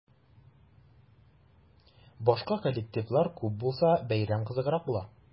Башка коллективлар күп булса, бәйрәм кызыграк була.